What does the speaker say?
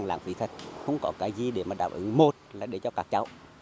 lãng phí thật không có cái gì để mà đáp ứng một là để cho các cháu